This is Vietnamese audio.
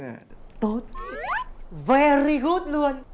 tốt ve ri gút luôn